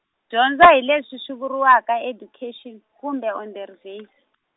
dyondzo hi leswi swi vuriwaka education kumbe onderwys.